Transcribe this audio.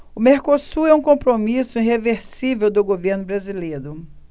o mercosul é um compromisso irreversível do governo brasileiro